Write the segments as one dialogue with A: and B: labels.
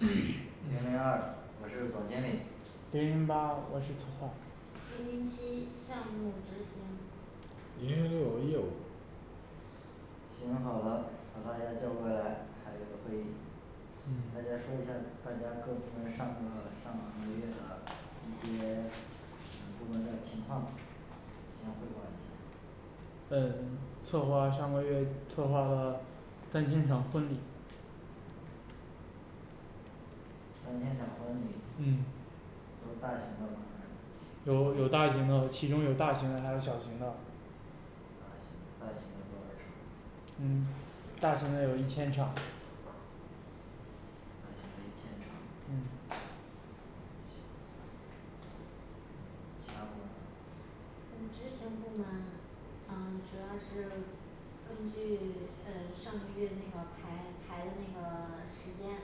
A: 零零二我是总经理
B: 零零八我是策划
C: 零零七项目执行
D: 零零六业务
A: 行好的把大家叫过来开个会议
B: 嗯
A: 大家说一下大家各部门儿上个上个月的一些嗯部门的情况先汇报一下
B: 嗯策划上个月策划了三千场婚礼
A: 三千场婚礼
B: 嗯
A: 都大型的还是
B: 有有大型的其中有大型的还有小型的
A: 大型大型的多少场
B: 嗯大型的有一千场
A: 大型的一千场
B: 嗯
A: 其他部门呢
C: 我们执行部门啊主要是根据嗯上个月那个排排的那个时间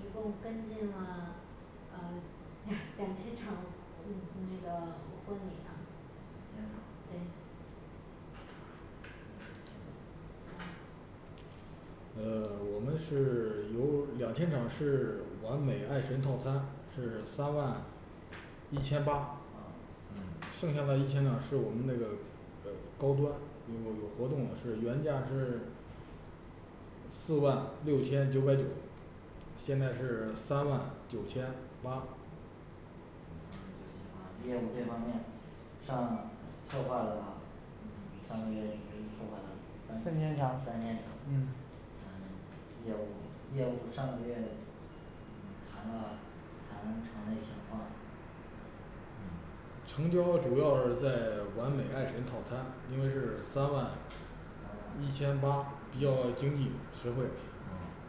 C: 一共跟进了呃 两千场那个婚礼了
A: 两千场
C: 对对
D: 呃我们是有两千场是完美爱神套餐是三万一千八
A: 啊
C: 嗯
D: 剩下的一千呢是我们那个呃高端有有活动是原价是四万六千九百九现在是三万九千八
A: 三万九千八业务这方面上策划了上个月你是策划了三
B: 三
A: 三
B: 千
A: 千场
B: 场嗯
A: 嗯业务业务上个月嗯谈了谈成嘞情况
D: 嗯成交主要在完美爱神套餐因为是三万一千八比较经济实惠
A: 哦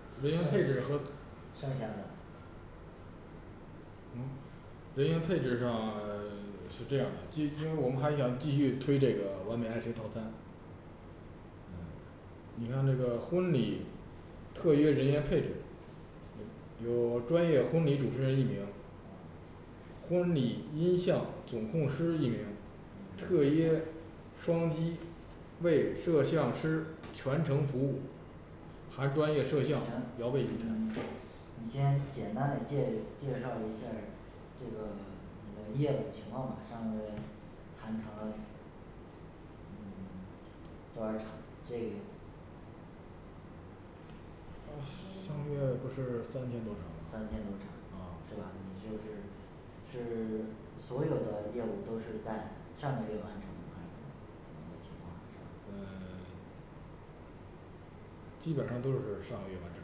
A: 行嗯
D: 人员配置和
A: 剩下的
D: 从人员配置上 是这样的继因为我们还想继续推这个完美爱神套餐你看这个婚礼特约人员配置，嗯 有专业婚礼主持人一名婚礼音像总控师一名，特约双击为摄像师全程服务含专业摄像摇背一台。
A: 你先简单嘞介介绍一下儿，这个你的业务情况吧上个月谈成了嗯多少场这
D: 嗯上个月不是三千多场吗？
A: 三千多场哦是吧？你就是是所有的业务都是在上个月完成还是怎么？怎么个情况是吧
D: 嗯 基本上都是上个月完成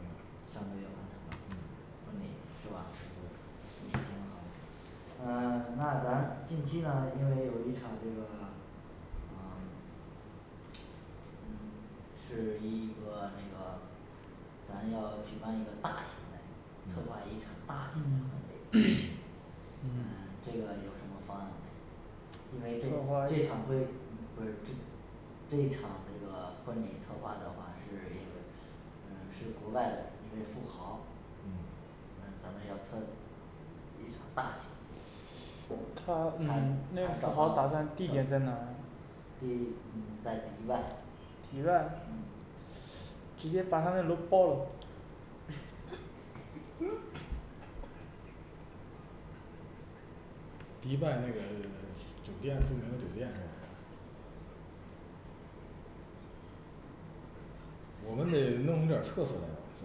D: 的
A: 上个月完成了嗯婚礼是吧
D: 对
A: 嗯那咱近期呢因为有一场这个嗯嗯是一个那个咱要举办一个大型嘞策划一场大型嘞
B: 嗯
A: 婚礼嗯
D: 嗯
A: 这个有什么方案没因为这
B: 策划
A: 这
B: 一
A: 场
B: 场婚礼
A: 会不是这这一场那个婚礼策划的话是因为嗯是国外的一位富豪，
D: 嗯
A: 咱们要策一场大型
B: 他
A: 他
B: 嗯那富
A: 他
B: 豪
A: 找
B: 打
A: 到
B: 算地点在哪儿呀
A: 地 嗯在迪拜
B: 迪拜
A: 嗯
B: 直接把他那楼包了
D: 迪拜那个 酒店著名的酒店是吧我们得弄出点儿特色来吧是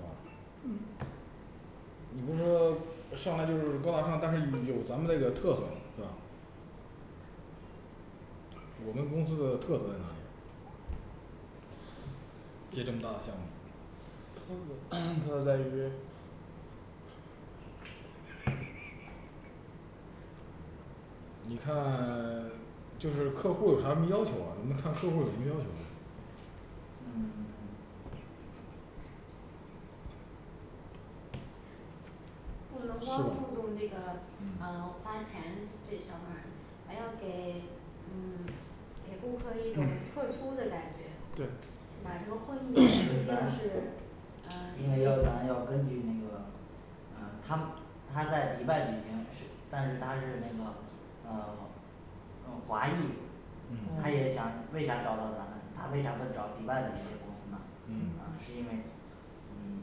D: 吧？
B: 嗯
D: 你不是说上来就是高大上，但是有咱们那个特色嘛是吧？我们公司的特色在哪里？接这么大的项目
B: 特色 特色在于
D: 你看 就是客户有啥么要求啊，你们看客户有什么要求没
A: 嗯
C: 不
D: 是
C: 能光
D: 的
C: 注重这个
D: 嗯
C: 嗯花钱，这上面儿的还要给嗯给顾客一种特殊的感觉
B: 对
C: 买这个婚姻的时间是嗯
A: 因为要咱要根据那个嗯他他在迪拜举行是，但是他是那个嗯 嗯华裔
D: 嗯
A: 他也想为啥找到咱们，他为啥不找迪拜的一些公司呢嗯
B: 嗯
D: 嗯
A: 是因为嗯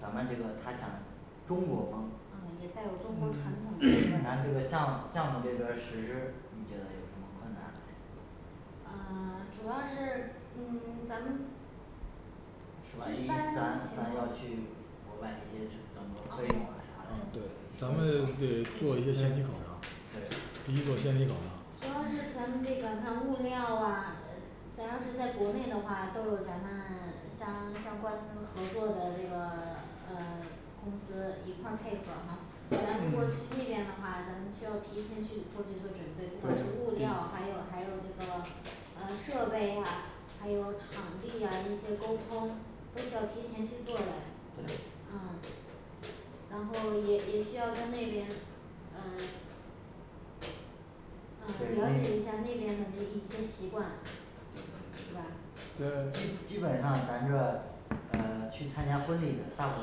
A: 咱们这个他想中国风啊
C: 啊也带有中国传统的这个
A: 咱这个项目项目这边个实施你觉得有什么困难？
C: 嗯 主要是嗯咱们一般
A: 是吧一咱咱要去国外一些事整个费用啊
C: 嗯
A: 啥
D: 啊
A: 嘞
D: 对咱们得做一个前期考察
A: 对
D: 第一个先期考察
C: 主要是咱们这个看物料啊，咱要是在国内的话，都有咱们 相相关合作的这个 嗯呃 公司一块儿配合哈咱如果
B: 嗯
C: 去那边的话，咱们需要提前去过去做准备，不管是
B: 对
C: 物料，还有还有这个嗯设备啊还有场地呀一些沟通都需要提前去做呀。
A: 对
C: 嗯然后也也需要在那边呃嗯
A: 对
C: 了解一
A: 应
C: 下那边的那一些习惯
A: 对对对
C: 是吧
B: 对
A: 基本上咱这嗯去参加婚礼的大部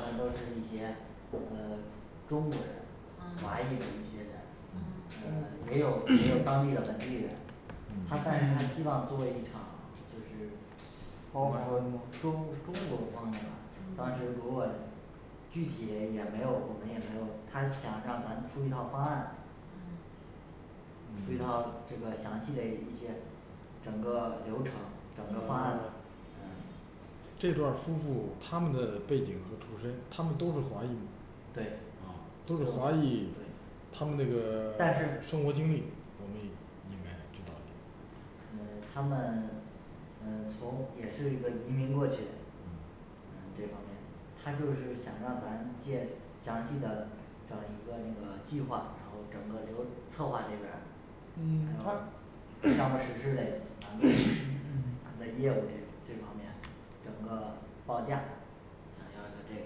A: 分都是一些呃中国人，
C: 嗯
A: 华裔的一些人，
C: 嗯
A: 嗯
D: 嗯
B: 嗯
A: 也有也有当地的本地人
D: 嗯
A: 他但是他希望做一场就是怎么说中中国风的吧，当时国外的具体嘞没有我们也没有，他想让咱出一套方案&嗯&出一套这个详细的一些整个流程整个方案嗯。
D: 这段儿夫妇他们的背景和出身，他们都是华裔吗，
A: 对
D: 啊都是华裔他们那个
A: 但是
D: 生活经历我们也应该知道一点
A: 嗯他们嗯从也是一个移民过去嘞
D: 嗯
A: 嗯这方面他就是想让咱借详细的整一个那个计划，然后整个流策划这边儿
B: 嗯他
A: 还有项目实施嘞难度，咱们的业务这这方面，整个报价想要一个这个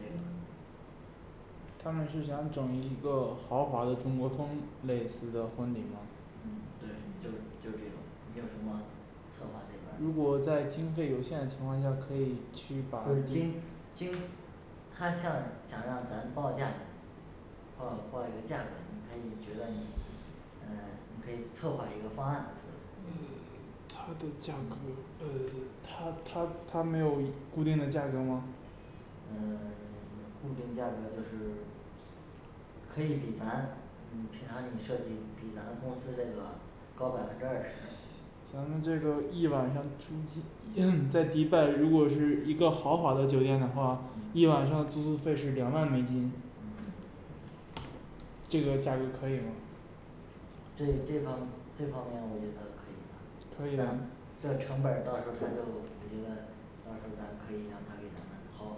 A: 这个
B: 他们是想整一个豪华的中国风类似的婚礼吗？
A: 嗯对，就就这种你有什么策划这边儿
B: 如果在经费有限的情况下，可以去把
A: 对经经他向想让咱报价报报一个价格，你可以觉得你嗯你可以策划一个方案
B: 呃 它的价格呃 它它它没有固定的价格吗？
A: 嗯 固定价格就是可以比咱嗯平常你设计比咱公司这个高百分之二十
B: 咱们这个一晚上租金 在迪拜，如果是一个豪华的酒店的话，一晚上租费是两万美金，
A: 嗯
B: 这个价格可以吗？
A: 这这方这方面我觉得可以吧
B: 可以啊
A: 这成本儿到时候他就我觉得到时候咱可以让他给咱们掏。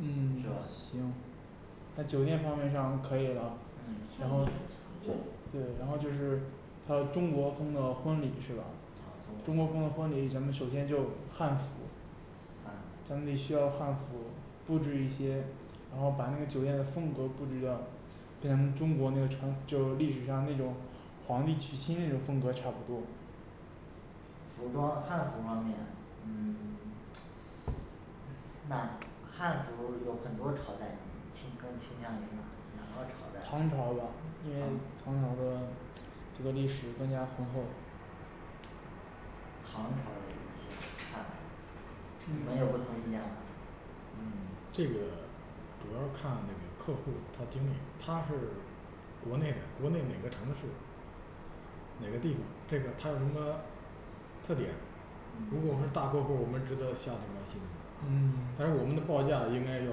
B: 嗯
A: 是吧
B: 行在酒店方面上可以了
C: 嗯。申
B: 然
C: 请
B: 后
C: 场地
B: 对，然后就是还有中国风的婚礼是
A: 啊
B: 吧？
A: 中
B: 中
A: 国
B: 国风的婚礼咱们首先就汉服咱
A: 汉服
B: 们得需要汉服布置一些，然后把那个酒店的风格布置掉，跟中国那个穿就是历史上那种皇帝娶亲那种风格差不多。
A: 服装汉服方面嗯 那汉服儿有很多朝代倾更倾向于哪个朝代
B: 唐朝的，因为
A: 唐
B: 唐朝的这个历史更加浑厚
A: 唐朝的一些汉服你
B: 嗯
A: 们有不同意见吗
D: 嗯 这个主要看这个客户儿他经历他是国内的国内哪个城市哪个地方这个它有什么特点？如果我是大客户，我们值得下点关心的，
B: 嗯
D: 但是我们的报价应该要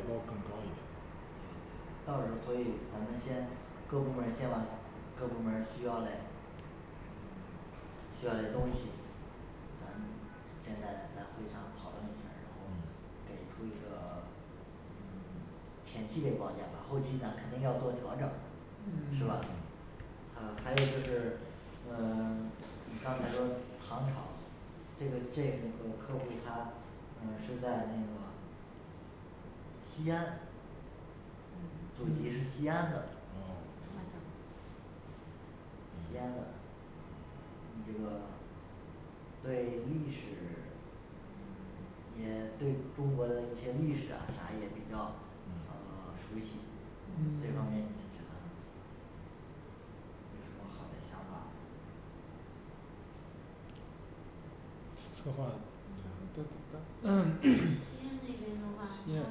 D: 高更高一点
A: 到时候所以咱们先各部门儿先把各部门儿需要嘞需要嘞东西，咱们现在咱会上讨论一下儿，然后呢给出一个嗯 前期嘞报价吧，后期咱肯定要做调整，是吧？嗯 哈还有就是嗯 刚才说唐朝这个这个客客户儿他嗯是在那个西安
C: 嗯
A: 祖籍是西安的
D: 哦
A: 西安的这个对历史也对中国的一些历史啊啥也比较
D: 嗯
A: 呃 熟悉。这方面
B: 嗯
A: 你们觉得有什么好嘞想法？
D: 策划
B: 的嗯
C: 西 安那边的话它就
B: 西
C: 是
B: 安，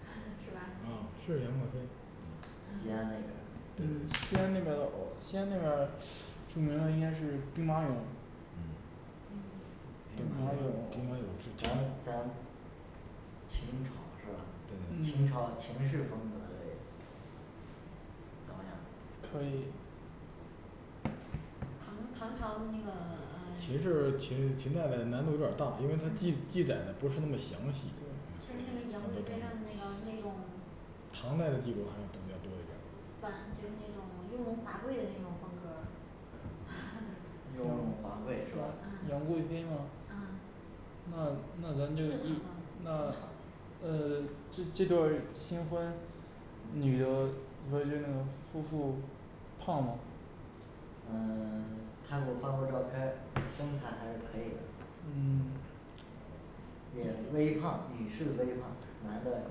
C: 是吧
B: 是
A: 啊西安那边儿。
B: 嗯西安那边儿的西安那边儿著名的应该是兵马俑
D: 嗯
C: 嗯
A: 兵马俑
D: 兵马俑
A: 咱咱秦朝是吧
D: 对
A: 秦朝
B: 嗯
A: 秦式风格对，怎么样
B: 可以
C: 唐唐朝那个
D: 秦
C: 嗯
D: 式秦秦代的难度有点儿大，因为它记记载的不是那么详细
C: 其实那个杨贵妃她们那个那种
D: 唐代的记录还是可能比较多一点儿，
C: 反正就是那种雍容华贵的那种风格儿。
A: 雍容华贵是吧
B: 杨
C: 嗯
B: 杨贵妃吗
C: 嗯
B: 那那咱这个一那嗯这这对儿新婚女的你会觉得那个夫妇胖吗？
A: 嗯 他给我发过照片儿，身材还是可以的
B: 嗯
A: 脸微胖女士微胖男的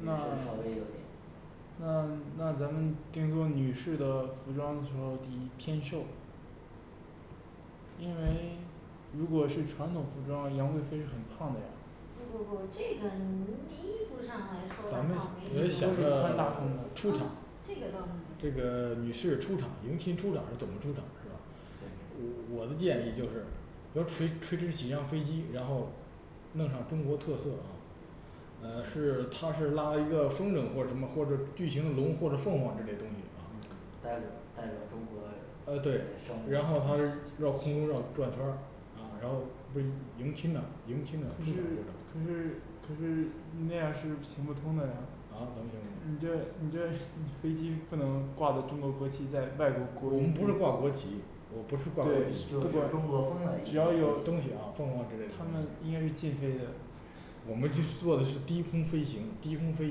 A: 也
B: 那
A: 是稍微有点
B: 那那咱们订做女士的服装的时候得偏瘦，因为如果是传统服装，杨贵妃是很胖的呀。
C: 不不不这个那衣服上来说的
D: 咱们
C: 话
D: 也
C: 没
D: 是
C: 什
D: 想
C: 么
D: 着出场
C: 这个倒
D: 这个
C: 是
D: 女
C: 没什么
D: 士出场迎亲出场是怎么出场是吧？我
A: 对
D: 我的建议就是说垂垂直几辆飞机，然后弄上中国特色啊嗯是它是拉了一个风筝或者什么或者巨型龙或者凤凰之类东西啊&嗯&
A: 代表代表中国，
D: 呃对，然后它绕空中绕转圈儿，啊然后不是迎亲呢迎亲呢
B: 可
D: 这
B: 是
D: 个出场，
B: 可是可是那样是行不通的呀，
D: 啊怎么行不通我们不是挂国旗
B: 你这你这你飞机不能挂着中国国旗在外国国
D: 我，们不是挂国旗我不是挂国旗，
A: 就是中国风的一
D: 只
A: 些
D: 要有东西啊凤凰之类的
B: 他们应该是禁飞的。
D: 我们这做的是低空飞行低空飞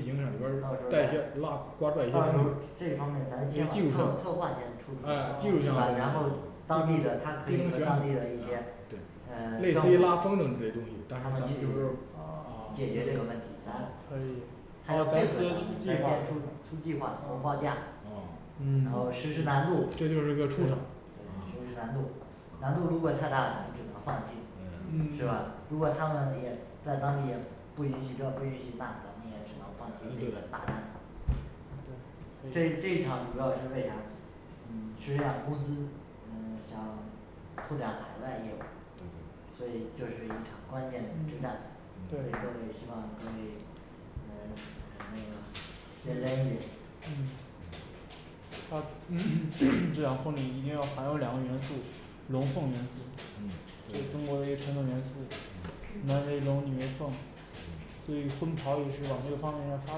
D: 行上里边儿带一些拉刮
A: 到时候
D: 拽一些哎
A: 儿这方面咱
D: 技
A: 先把
D: 术性
A: 策
D: 的
A: 策划先出出来，是吧然后当地的他可以和当地的一些
D: 对
A: 呃
D: 类
A: 政
D: 似于拉风
A: 府
D: 筝之类东西，但是
A: 他
D: 咱
A: 们
D: 们
A: 去
D: 就是
B: 啊
A: 解决这个问题，咱
B: 可以
A: 还要配合咱们咱先出出计划报价，
D: 哦
A: 然后
B: 嗯
A: 实施难度，
B: 这就是一个出场
A: 对实施难度难度如果太大，只能放弃是吧
B: 嗯？
A: 如果他们也在当地也不允许这不允许那咱们也只能放弃
D: 嗯
A: 这
D: 对
A: 个大单。这这一场主要是为啥？嗯是这样，公司嗯 想拓展海外业务
D: 对对
A: 所以就是一场关键
B: 嗯
A: 之战。
B: 对
A: 所以各位也希望各位嗯那个认真
B: 嗯
A: 一点
D: 嗯
B: 啊 这场婚礼一定要含有两个元素，龙凤元素，这是
D: 嗯对
B: 中国的一个传统元素，
C: 对
B: 男为龙女为凤所以风潮也是往这个方向上发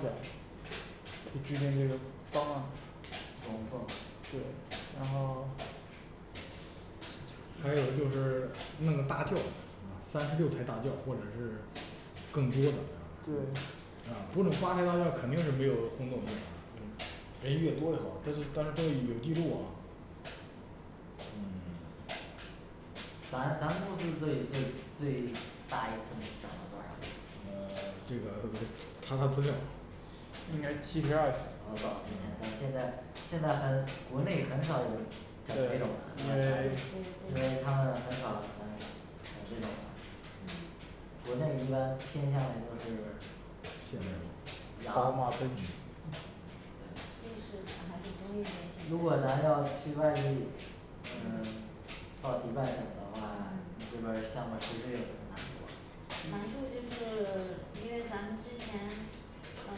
B: 展，就制定这个方案
A: 龙凤
B: 对然后
D: 还有就是弄个大轿，三十六抬大轿或者是更多的啊
B: 对
D: 不整八抬大轿肯定是没有轰动对吧
B: 嗯，
D: 人越多越好，但是但是这个有记录啊。
A: 嗯 咱咱们公司最最最大一次能整到多少？
D: 嗯 这个我得查查资料
B: 应该七十二
A: 老
B: 呃
A: 早之前咱 现在现在很国内很少有整这种，因
B: 因为
C: 对
A: 为他
C: 对
A: 们很少嗯整这种的
B: 嗯
A: 国内一般偏向都是
D: 现代化
B: 宝马奔驰
C: 西式的还是国内
A: 如果
C: 的简单，
A: 咱要去外地嗯 到迪拜整的话，你这边项目实施有什么难度啊
C: 难度就是 因为咱们之前嗯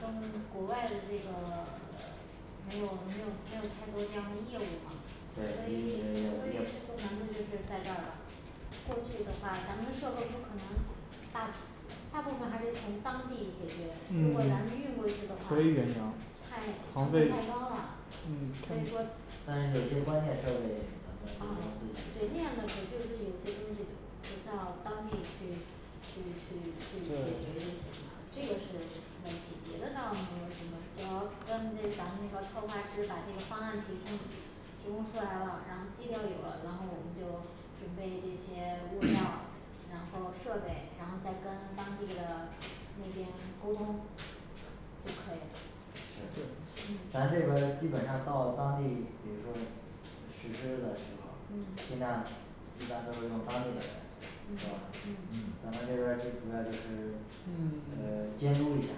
C: 跟国外的这个 没有没有没有太多这样的业务嘛
A: 对
C: 所，
A: 一
C: 以
A: 是
C: 所以这
A: 比较
C: 个难度就是在这儿了。过去的话咱们的设备不可能大大部分还得从当地解决如果
B: 嗯
C: 咱们运过去的话
B: 可以远洋
C: 太
B: 航
C: 成
B: 费
C: 本太高啦，
B: 嗯
C: 所以说
A: 但是有一些关键设备，咱们自己
C: 对那样的不就是有一些东西就到当地去去去去解决就
B: 对
C: 行了，这个是问题，别的倒没有什么，主要跟这咱们那个策划师把这个方案提出提供出来了然后基调有了，然后我们就准备这些物料然后设备然后再跟当地的那边沟通就可以了
A: 是
B: 对
A: 咱这边儿基本上到当地，比如说实施的时候尽量一般都是用当地的人，
C: 嗯
A: 是吧？
C: 嗯
D: 嗯
A: 咱们这边主要就是嗯
B: 嗯
A: 监督一下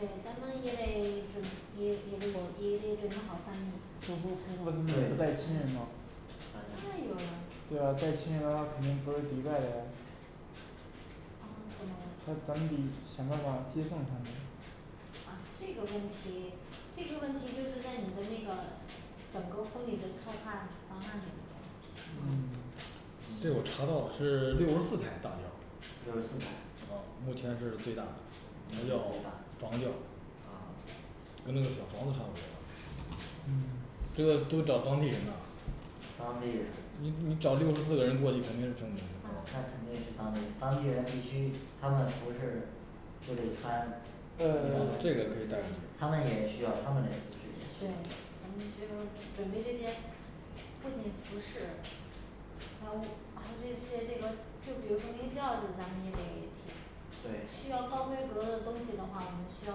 C: 对，咱们也得准也也得有也得准备好翻译
B: 顾顾顾客他们也不
A: 对
B: 带亲人吗
A: 翻译
C: 当然有了
B: 对啊带亲人的话肯定不是迪拜的呀
C: 噢怎么了
B: 那咱们得想办法接送他们。
C: 啊这个问题这个问题就是在你的那个整个婚礼的策划方案里面
B: 嗯
D: 对我查到的是六十四台大轿
A: 六十四抬
D: 哦目前是最大的它叫房轿
A: 啊
D: 跟那个小房子差不多了
B: 嗯
D: 这个都找当地人呐
A: 当地人
D: 你你找六十四个人过去肯定是，
A: 那肯定是当地人，当地人必须他们服饰就得穿
D: 呃 这个可以带过去
A: 他们也需要他们嘞
C: 对咱们就是准备这些，不仅服饰，还有还这这些这个，就比如说那个轿子咱们也得提。
A: 对
C: 需要高规格的东西的话，我们需要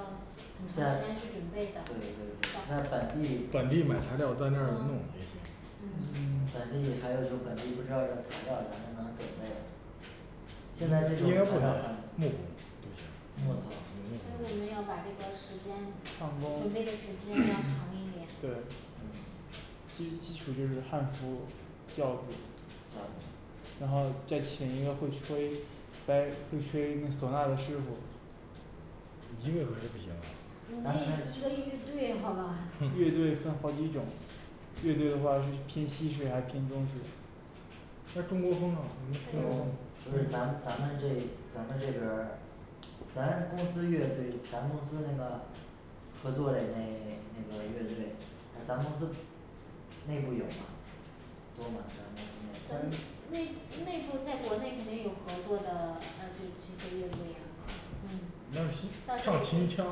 C: 很长
A: 在
C: 时、间去准备的
A: 对对在本地
D: 本地买材料在那儿弄也行
C: 嗯
A: 嗯 本地还有就本地不知道这个材料咱们能准备，现在这种
D: 应
A: 材
D: 该
A: 料
D: 不能木
A: 很木头
C: 所以
D: 有
C: 你们
D: 木头
C: 要把这个时间
B: 差不多
C: 准备的时间要长一点
B: 对
A: 嗯
B: 第一基础就是汉服轿子
A: 嗯
B: 然后再请一个会吹白会吹唢呐的师傅
D: 一个可是不行啊
C: 鼓励一个乐队好吧
B: 乐队分好几种。乐队的话是偏西式还是偏中式？
D: 那中国风呢能听得懂，
A: 所以咱们咱们这咱们这边儿咱公司乐队，咱们公司那个合作嘞那那个乐队，咱公司内部有吗？多吗咱
B: 咱
C: 咱
A: 公司
C: 们
A: 内部？
C: 内内部在国内没有合作的啊这这些乐队呀嗯
A: 啊
C: 嗯
D: 那是新
C: 但是
D: 唱
C: 有
D: 秦腔，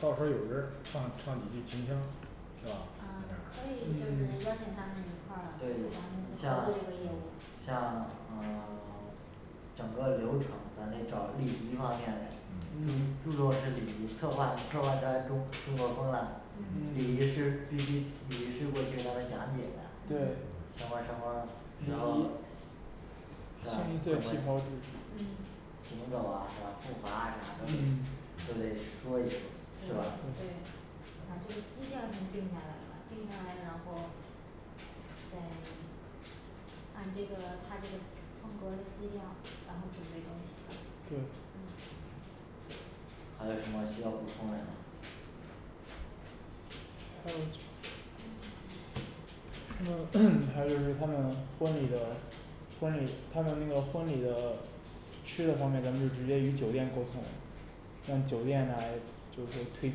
D: 到时候有人儿唱唱几句秦腔，是吧？
C: 啊可以就
B: 嗯
C: 是邀请他们一块儿合作
A: 对像
C: 这个业务
A: 像嗯 整个流程咱得找礼仪方面嘞，你
D: 嗯
A: 注重是礼仪策划策划出来中中国风啦
C: 嗯，
A: 礼仪
B: 嗯
A: 是必须礼仪是过去给他们讲解的，
B: 对
A: 什么什么，
B: 礼
A: 然
B: 仪
A: 后
B: 清一
A: 是吧
B: 色旗袍制嗯
C: 嗯
A: 行走啊是吧？步伐啊啥的，都得说一说是吧？
C: 对把这个基调先定下来吧，定下来然后再按这个他这个风格的资料，然后准备东西。
B: 对
A: 还有什么需要补充嘞吗
B: 那么 还有就是他们婚礼的婚礼，他们那个婚礼的吃的方面，咱们就直接与酒店沟通，让酒店来就是说推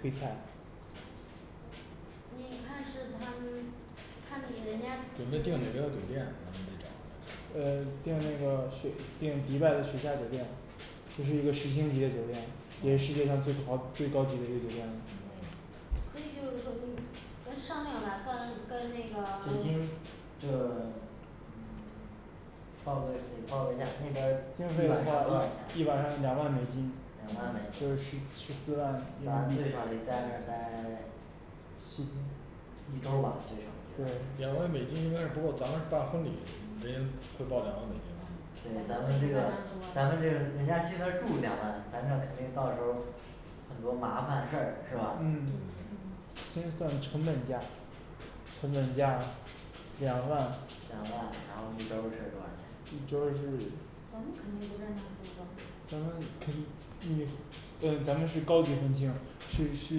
B: 推餐
C: 你看是他们看看人家
D: 准备订哪个酒店咱们再找人
B: 呃订那个水订迪拜的水下酒店，这是一个十星级的酒店，也是世界上最豪最高级的一个酒店了
D: 嗯
C: 可以就是说咱商量吧跟跟那个
A: 北京这 报个给报个价那边儿
B: 经费的话呢晚上两万美金
A: 两万美
B: 就是十十四万
A: 咱
B: 人民
A: 最
B: 币
A: 少也得在那儿待
B: 七天
A: 一周吧最少
D: 对两万美金应该是不够，咱们办婚礼的人家会报两万美金。
A: 对咱们这个咱们这个人家去那儿住两万，咱这肯定到时候儿很多麻烦事儿是吧？
B: 嗯先算成本价，成本价两万
A: 两万，然后一周是多少钱
B: 一周是
C: 咱们肯定不在那儿住吧
B: 咱们肯定也 对咱们是高级婚庆是需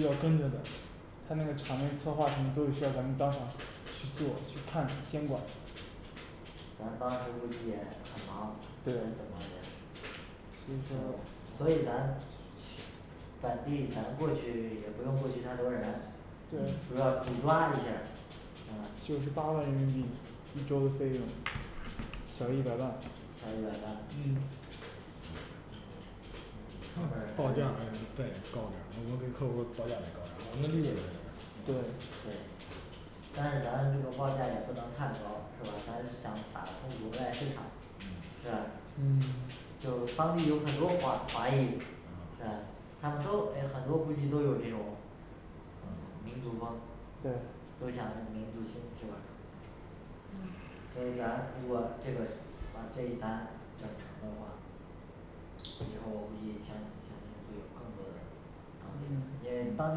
B: 要跟着的，它那个场面策划什么都得需要咱们当场去做去看监管的
A: 咱当时估计也很忙怎么
B: 对
A: 也
B: 所以说
A: 所以咱本地咱过去也不用过去太多人，
B: 对
A: 主要主抓一下儿
B: 九十八万人民币一周的费用小一百万
A: 小一百万
B: 嗯
D: 那边儿报价再高点儿，我们给客户报价再高点儿，我们的利润在那儿。
B: 对
A: 对但是咱那个报价也不能太高是吧？咱想打通国外市场，是吧？
B: 嗯
A: 就当地有很多华华裔
D: 嗯
A: 是吧？他们都唉很多估计都有这种嗯民族风
B: 对
A: 都想用民族心是吧？
C: 嗯
A: 所以咱如果这个把这一单整成的话，以后我估计相相信会有更多的当地的
B: 嗯对
A: 因为当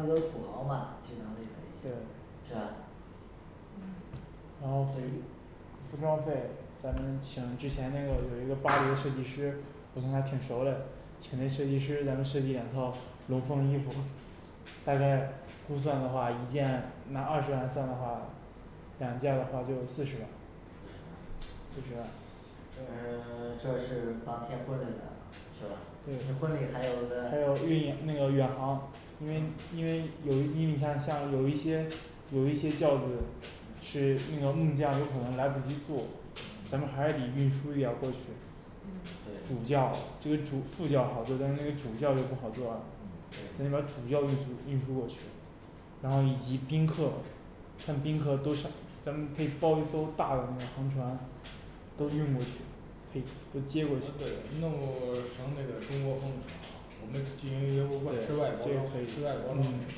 A: 地都土豪嘛，经常那边儿一些
B: 对
A: 是吧？
B: 然后等于服装费咱们请之前那个有一个巴黎设计师，我跟他挺熟嘞，请那设计师咱们设计两套龙凤衣服大概估算的话一件拿二十万算的话，两件的话就是四十万
A: 四十万。嗯 这是当天婚礼的。是吧？你
B: 对
A: 婚礼还有跟
B: 还有运营那个远航，因为因为有一批你看像有一些有一些轿子是那个木匠有可能来不及做，咱们还是得运输也要过去。
C: 嗯
B: 主
A: 对
B: 轿这个主副轿好做，但是那个主轿就不好做了
A: 嗯对
B: 所以把主轿运输运输过去然后以及宾客看宾客多少，咱们可以包一艘大的那个航船都运过去可以都接过
D: 啊
B: 去
D: 对弄成那个中国风，我们进行优惠对外
B: 这个
D: 包装对外
B: 可以
D: 包装
B: 嗯
D: 可以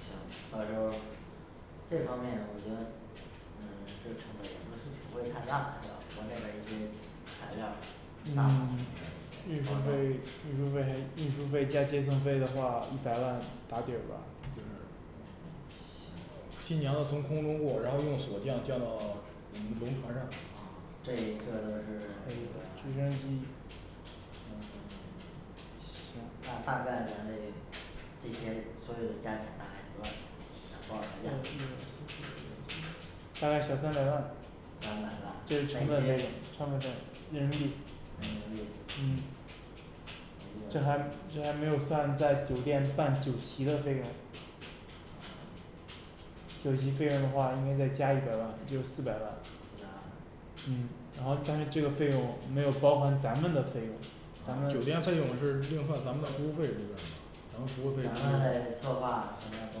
A: 行，到时候儿这方面我觉得嗯这成本儿也不是不会太大，对吧？国内的一些材料儿
B: 嗯 运输费运输费运输费加接送费的话，一百万打底儿吧就是
D: 新娘子从空中过，然后用索降降到我们龙船上，
A: 啊这一个呢是嗯
B: 直升机
A: 行那大概咱类这些所有的加起来大概得多少钱？咱报个价。
B: 大概小三百万
A: 三
B: 这是成
A: 百
B: 本
A: 万美
B: 费
A: 金
B: 成本费人民币嗯
A: 人民币
B: 嗯这还这还没有算在酒店办酒席的费用酒席费用的话应该再加一百万就是四百万
A: 四百万
B: 嗯然后但是这个费用没有包含咱们的费用，咱们
D: 酒店费用是另算咱们的服务费用咱们服务费
A: 咱们嘞策划什么都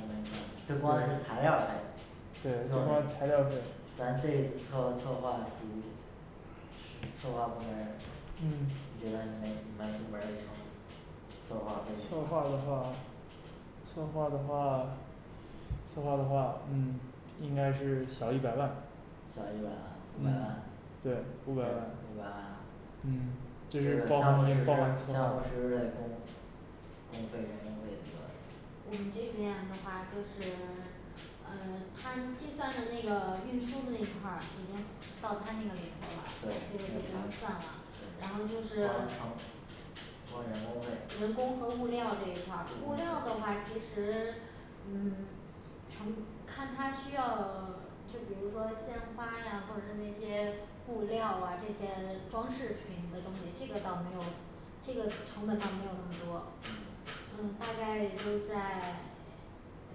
A: 没算，这光是材料儿费
B: 对，这光材料儿费
A: 咱这一次策策划属于。策划部门儿
B: 嗯
A: 你觉得你那你们部门儿嘞成策划费用得多少
B: 策划的话策划的话，策划的话嗯应该是小一百万。
A: 小一百万五百
B: 嗯
A: 万
B: 对
A: 五
B: 五
A: 百
B: 百万
A: 万
B: 嗯
A: 项目实施项目实
B: 这是包含
A: 施嘞工
C: 我们这边的话就是， 嗯他计算的那个运输的那一块儿已经到他那个里头了，这个
A: 对
C: 就不
A: 那
C: 用算
A: 船
C: 了，然后就是
A: 光人工费
C: 人工和物料这一块儿，物料的话其实嗯 成看他需要 就比如说鲜花呀或者是那些布料哇，这些装饰品的东西这个倒没有这个成本倒没有那么多，
A: 嗯
C: 嗯大概都在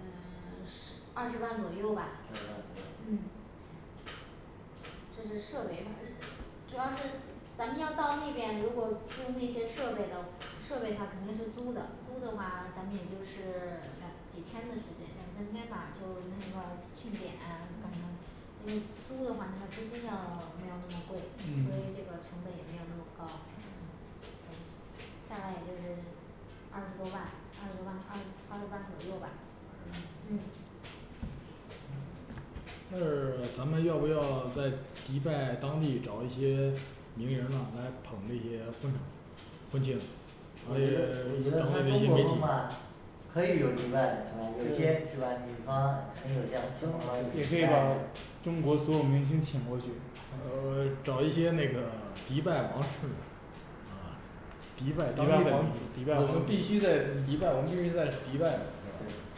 C: 嗯 十二十万左右吧
A: 二十万左右
C: 嗯这是设备还是？主要是咱们要到那边，如果租那些设备的设备，它肯定是租的，租的话，咱们也就是 两几天的时间，两三天吧就那个庆典什么的
A: 嗯
C: 那租的话那个资金要 没有那么贵，所以
B: 嗯
C: 这个成本也没有那么高
A: 嗯
C: 下来也就是二十多万二十多万二二十万左右吧
A: 二十
C: 嗯
A: 万
C: 嗯
D: 那儿咱们要不要在迪拜当地找一些名人啦来捧这些婚程？婚庆
A: 可以有迪拜嘞是吧有些是吧女方
D: 也可以把中国所有明星请过去呃找一些那个迪拜王室的迪拜当
B: 迪
D: 地
B: 拜
D: 的
B: 王子迪，拜王
D: 我们必
B: 子
D: 须在迪拜，我们必须在迪拜是
A: 对
D: 吧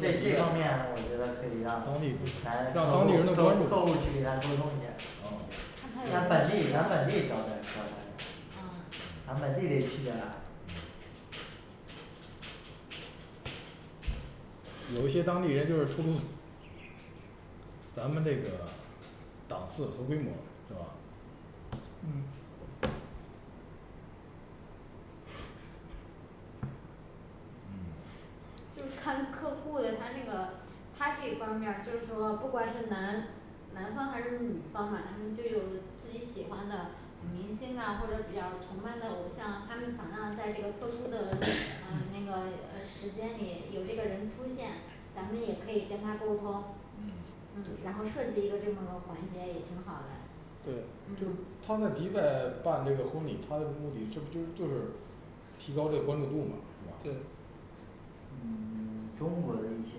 A: 这这方面我觉得可以让咱，让
D: 让当地人的帮
A: 客
D: 助
A: 户去给咱沟通一遍。让本地让本地招的
C: 嗯
A: 咱本地人去的
D: 有一些当地人就是初中咱们这个档次和规模是吧
B: 嗯
C: 就看客户的他那个他这方面儿就是说不管是男男方还是女方吧，他们就有自己喜欢的明星啊或者比较崇拜的偶像，他们想让在这个特殊的呃那个嗯时间里有这个人出现咱们也可以跟他沟通，
D: 嗯
C: 嗯然后设计一个这么个环节也挺好的
D: 对，就他在迪拜办这个婚礼，他的目的是不是就是提高这个关注度嘛是吧？
B: 对
A: 嗯 中国的一些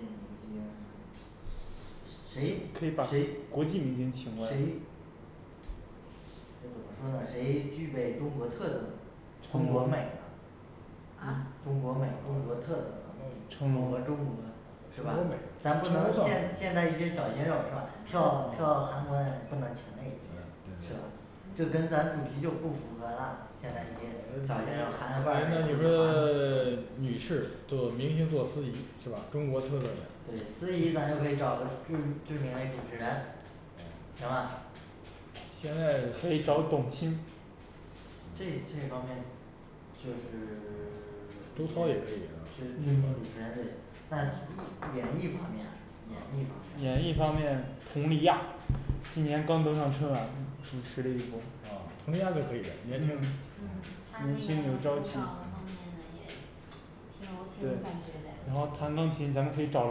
A: 那个谁
B: 可以
A: 谁
B: 把国际明星请过来
A: 谁这怎么说呢谁具备中国特色？中
D: 中
A: 国
D: 国
A: 美 了
C: 啊
A: 中国美，中国特色呢符合中国是
B: 中国
A: 吧
B: 美？
A: 咱不能见现在一些小鲜肉是吧？跳跳韩国那不能请那几个是吧？就跟咱主题就不符合啦现在一些小鲜肉，
D: 那就说 女士做明星做司仪是吧？中国特色嘞，
A: 对司
D: 嗯
A: 仪咱就可以找个知知名嘞主持人，行吧？
B: 可以找董卿
A: 这这方面就是
D: 周涛也可 以
A: 但演艺方面演艺方面
B: 演艺方面佟丽娅今年刚登上春晚，主持了一波
D: 哦佟丽娅就啊可以年轻
B: 嗯
C: 嗯她那
B: 年
C: 个
B: 轻
C: 舞
B: 有朝
C: 蹈
B: 气
C: 方面也挺有挺有
B: 对
C: 感觉的
B: 对然后弹钢琴咱们可以找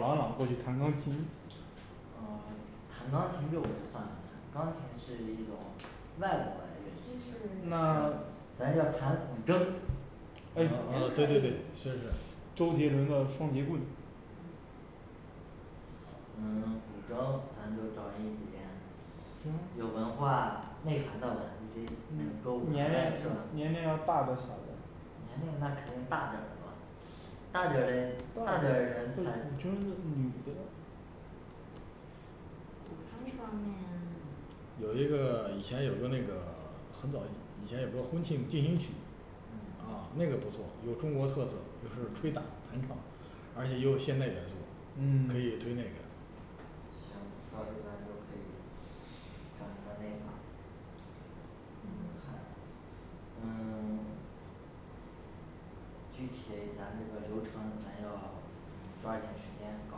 B: 朗朗过去弹钢琴
A: 嗯 弹钢琴就算了，钢琴是一种外国嘞乐器，
C: 就是
D: 那
A: 咱要弹古筝
B: 诶
D: 啊对对对是是是周杰伦的双节棍
A: 嗯 古筝咱就找一点有文化内涵的吧一些歌舞团
B: 年龄
A: 嘞是吧
B: 年龄要大的小的
A: 年龄那肯定大点儿的吧大点儿嘞大
B: 大点
A: 点儿
B: 儿
A: 人
B: 会古
A: 才
B: 筝女的
C: 古筝方面
D: 有一个以前有个那个很早以前有个婚庆进行曲
A: 嗯啊
D: 那个不错，有中国特色就是吹打弹唱，而且也有现代元素
B: 嗯
D: 可以推那个
A: 行，到时候咱就可以整一个那个嗯还嗯 具体嘞咱这个流程咱要抓紧时间搞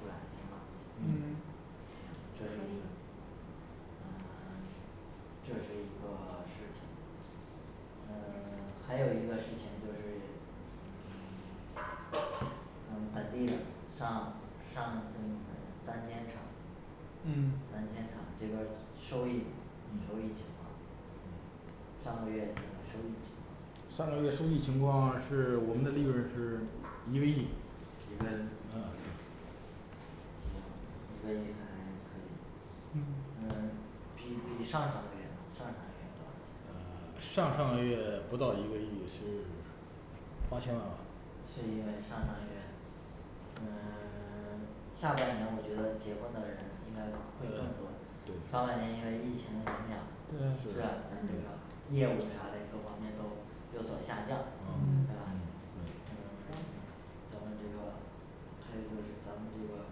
A: 出来行吧？
B: 嗯
D: 嗯
A: 这是一嗯 这是一个事情。嗯 还有一个事情就是嗯 嗯本地的上上次你们三千场，
B: 嗯
A: 三千场这边儿收益收益情况
D: 嗯，
A: 上个月那个收益情况
D: 上个月收益情况是我们的利润是一个亿
A: 一个亿
D: 嗯
A: 行。一个亿还可以。
B: 嗯
A: 嗯比比上上月呢上上月多少钱
D: 上上个月不到一个亿是八千万吧
A: 是因为上上月嗯 下半年我觉得结婚的人应该会更多
B: 对
D: 对
A: 上半年因为疫情的影响，
B: 对
A: 是吧？
D: 是
A: 咱那个业务啥嘞各方面都有所下降对吧，嗯
D: 嗯
B: 嗯
D: 对
A: 咱们这个还有就是咱们这个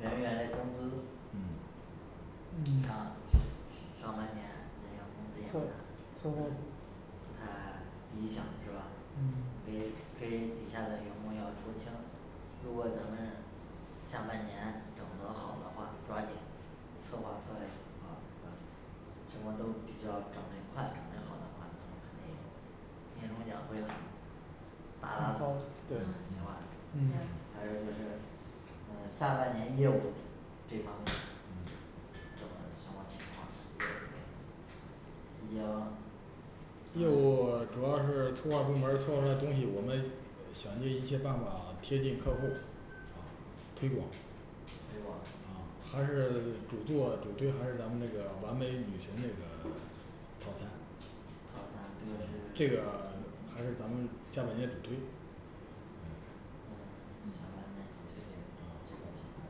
A: 人员嘞工资
D: 嗯
A: 上诗 诗
B: 嗯
A: 上半年人员工资也不
B: 策
A: 大，
B: 策划
A: 不太理想是吧？
B: 嗯
A: 给给底下的员工要说清如果咱们下半年整的好的话，抓紧策划策略啊是吧，什么都比较整嘞快整嘞好的话那么肯定有，年终奖会很大
B: 提
A: 大
B: 高对
A: 行吧，
C: 行
B: 嗯
A: 还有就是下半年业务这方面怎么什么情况业务这方面毕竟
D: 业务主要是策划部门儿策划出来东西，我们想尽一切办法贴近客户儿啊推广
A: 推广啊
D: 还是主做主推还是咱们那个完美女神那个套餐
A: 套餐这个是
D: 这个 还是咱们下半年的主推
A: 嗯下半年主推这个啊，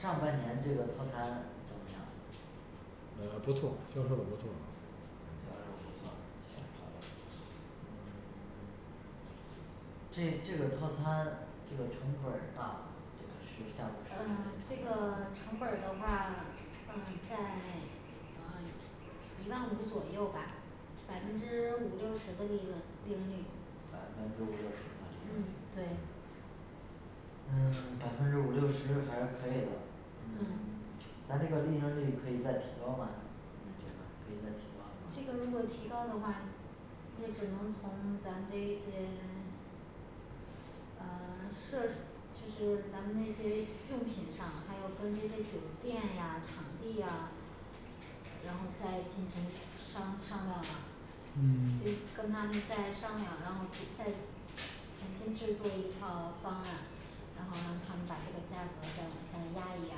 A: 上半年这个套餐怎么样？
D: 嗯不错销售的不错啊
A: 销售不错这这个套餐这个成本儿大吗，这个是实项目
C: 嗯
A: 实
C: 这
A: 施。
C: 个成本儿的话嗯在嗯一万五左右吧，百分之五六十的利润利润率
A: 百分之五六十的
C: 嗯对
A: 嗯百分之五六十还是可以的嗯
C: 嗯
A: 咱这个利润率可以再提高吗？你们觉得可以再
C: 这
A: 提高的吗，
C: 个如果提高的话，也只能从咱这些 嗯 设就是咱们那些用品上，还有跟那些酒店呀场地呀，然后再进行商商量了
B: 嗯
C: 就跟他们再商量，然后再重新制作一套方案然后让他们把这个价格再往下压一压，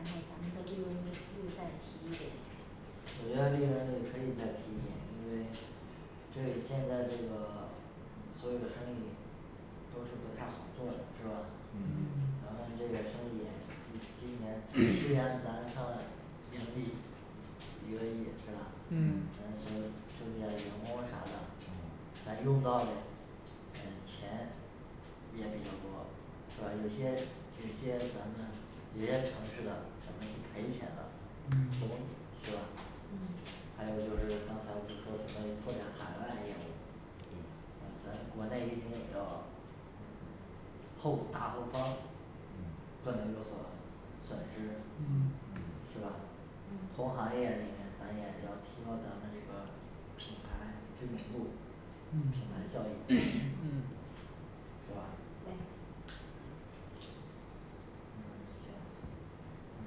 C: 然后咱们的利润率再提一点
A: 我觉得利润率可以再提一点，因为对现在这个所有的生意都是不太好做的是吧？
B: 嗯
D: 嗯
A: 咱们这个生意今今年虽然咱上盈利一个亿是吧？
B: 嗯
D: 嗯
A: 担心涉及到员工啥的啊，咱用到嘞嗯钱也比较多是吧？有些有些咱们别城市的咱们是赔钱了
D: 嗯
A: 从是吧？
C: 嗯
A: 还有就是刚才不是说准备拓展海外业务啊咱国内一定也要后大后方
B: 嗯
A: 不能有所损失嗯嗯
D: 嗯
A: 是吧
C: 嗯
A: 同行业里面咱也要提高咱们这个品牌知名度，品
D: 嗯
A: 牌效应
B: 嗯
A: 是吧？
C: 对
A: 嗯行嗯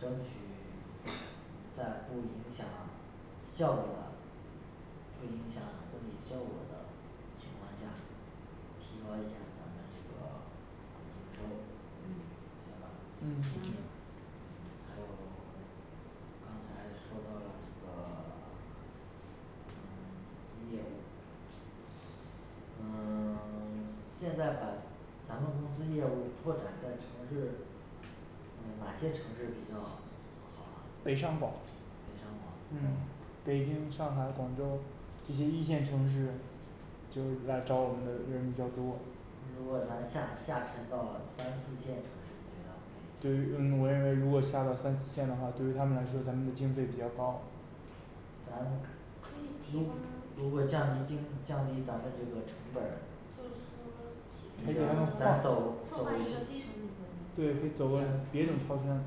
A: 争取 在不影响效果的不影响婚礼效果的情况下，提高一下咱们这个业务
C: 嗯
A: 行吧
B: 嗯行
C: 行
A: 嗯还有 刚才说到了这个 嗯业务嗯 现在把咱们公司业务拓展在城市嗯哪些城市比较好啊
B: 北上广
A: 北上广
B: 嗯北京、上海、广州这些一线城市就是来找我们的人比较多。
A: 如果咱下下沉到了三四线城市，你觉得会
B: 对于嗯，我认为如果下到三四线的话，对于他们来说咱们的经费比较高
A: 咱
C: 可以提
A: 如
C: 供
A: 如果降低经，降低咱们这个成本儿，
C: 就是说
A: 实
C: 这个
A: 行 咱走
C: 策
A: 走
C: 划，一个低成本的
B: 对得走个别种套餐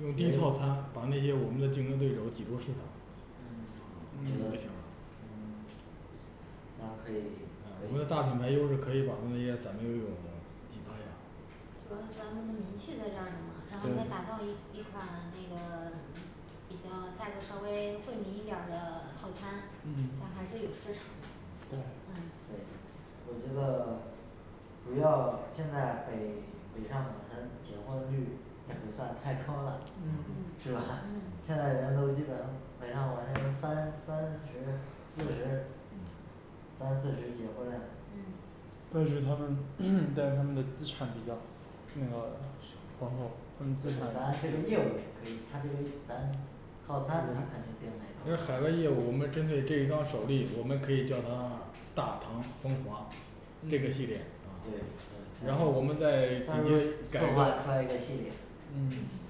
D: 用低套餐把那些我们的竞争对手挤出市场
A: 啊
B: 嗯
A: 那可以
D: 哎我们的大品牌优势可以把它们那些散兵游勇挤趴下
C: 主要是咱们的名气在这儿呢嘛，然后再打
D: 对
C: 造一一款那个 比较价格稍微惠民一点儿的套餐，
B: 嗯
C: 咱还是有市场的
B: 对
A: 对我觉得 主要现在北北上广深结婚率也不算太高啦 是
B: 嗯
D: 嗯
C: 嗯
A: 吧？现在人都基本上北上广深三三十四十三四十结婚嘞
C: 嗯
B: 但是他们 但是他们的资产比较那个浑厚他们资
A: 对
B: 产
A: 咱这个业务可以，他这个咱套餐他们肯定订那都是好，
D: 其实海外业务我们针对这一张首例，我们可以叫它大唐风华这个系列，
A: 对
D: 然后我们再直接
A: 对
D: 改
A: 策
D: 一
A: 划
D: 个
A: 出来一个系列
B: 嗯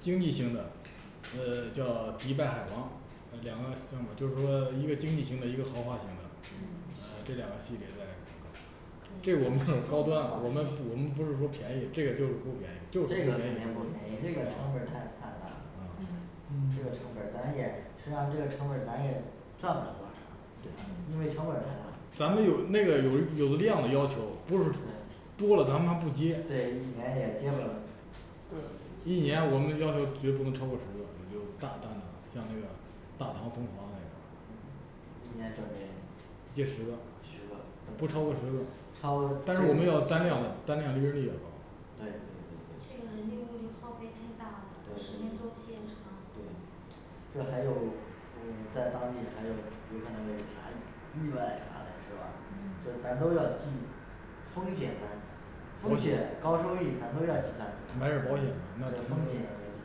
D: 经济型的嗯叫迪拜海王两个项目，就是说一个经济型的一个豪华型的，嗯这两个系列在搞这我们就高端我们我们不是说便宜这个就是不便宜
A: 这
D: 就
A: 个肯定不便宜这个成本儿太大了
B: 嗯
C: 嗯
A: 这个成本儿咱也实际上这个成本咱也赚不了多少。
B: 对
A: 因为成本儿太大了
D: 咱们有那个有有量的要求，不是多了咱们不接
A: 对一年也接不了
D: 对一年我们要求绝不能超过十个，你就大胆的像那个大唐风华那个
A: 今年准备
D: 接十个
A: 十个
D: 不超过十个，不超过十个，
A: 超
D: 但是我们要单量的单量利润率要高
A: 对对对对
C: 这个人力物力耗费太大了，
A: 对
C: 时间
A: 对
C: 周
A: 对
C: 期也长。
A: 对这还有我在当地还有有可能有啥意外啥嘞是吧？这咱都要记风险单风险高收益咱们都要计算
D: 买
A: 风
D: 点儿保险
A: 险
D: 买点儿保
A: 也比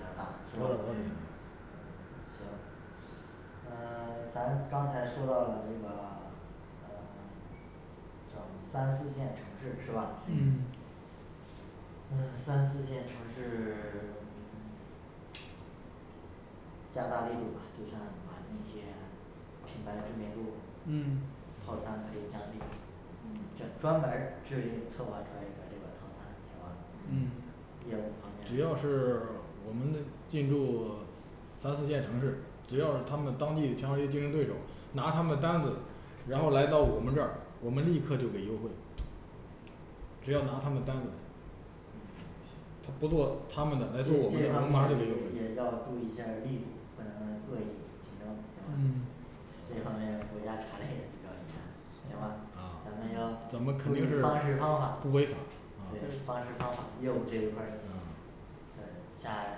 A: 较大行嗯 咱刚才说到了这个嗯， 整三四线城市是吧？
B: 嗯
D: 嗯
A: 嗯三四线城市 加大力度吧，就像把那些品牌知名度
B: 嗯
A: 套餐可以降低就专门制定策划出来一个这种套餐行吗？
B: 嗯
D: 嗯只要是 我们的进驻 三四线城市，只要是他们的当地强有力竞争对手拿他们的单子，然后来到我们这儿，我们立刻就给优惠，只要拿他们单子他不做他们的来
A: 这这
D: 做我们的我
A: 方
D: 们
A: 面
D: 马上
A: 儿
D: 就给优
A: 也要注意一下力度
D: 惠
A: 不能恶意竞争
B: 嗯
A: 这方面国家查嘞也比较严行吧，
B: 好
A: 咱们
D: 咱
A: 要
D: 们肯
A: 注意
D: 定是
A: 方式方法
D: 不违法
A: 对方式
B: 对
A: 方法业务这一块儿嗯再下来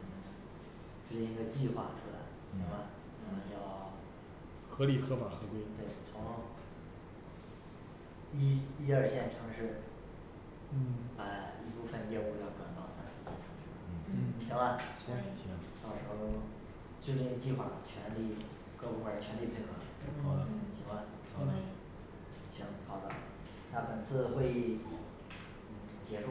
A: 嗯 制定一个计划出来行吧
D: 嗯，
A: 咱们要
D: 合理合法合规
A: 对从一一二线城市，把一部分业务要转到三四线城市行
B: 嗯
D: 嗯
A: 吧
C: 可以
B: 行
D: 行
A: 到时候制定计划，全力各部门儿全力配合
D: 好的
B: 嗯
C: 嗯
D: 好的
A: 行吧。
C: 可以
A: 行好的那本次会议结束